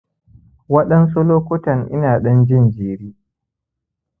waɗansu lokuttan ina ɗan jin jiri